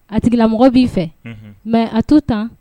A tigila mɔgɔ b'i fɛ mɛ a to' tan